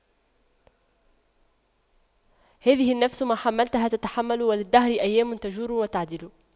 هي النفس ما حَمَّلْتَها تتحمل وللدهر أيام تجور وتَعْدِلُ